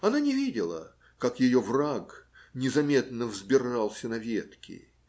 Она не видела, как ее враг незаметно взбирался на ветки.